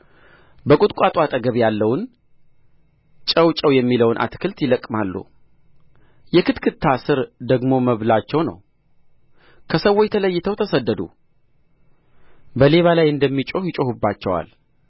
በቍጥቋጦ አጠገብ ያለውን ጨው ጨው የሚለውን አትክልት ይለቅማሉ የክትክታ ሥር ደግሞ መብላቸው ነው ከሰዎች ተለይተው ተሰደዱ በሌባ ላይ እንደሚጮኽ ይጮኹባቸዋል